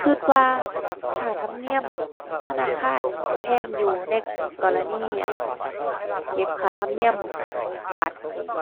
คิดว่าค่าธรรมเนียมธนาคารนี่แพงอยู่ ในกรณี อั่น เก็บค่าธรรมเนียมบัตรนี่